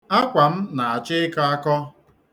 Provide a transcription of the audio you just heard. Akwa m na-achọ ịkọ akọ.